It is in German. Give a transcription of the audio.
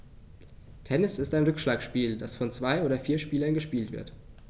Tennis ist ein Rückschlagspiel, das von zwei oder vier Spielern gespielt wird.